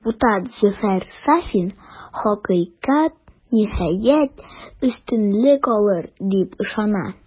Депутат Зөфәр Сафин, хакыйкать, ниһаять, өстенлек алыр, дип ышана.